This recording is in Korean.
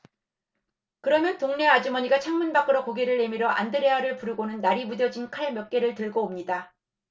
그러면 동네 아주머니가 창문 밖으로 고개를 내밀어 안드레아를 부르고는 날이 무뎌진 칼 몇 개를 들고 옵니다